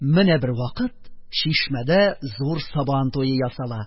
Менә бервакыт Чишмәдә зур сабан туе ясала.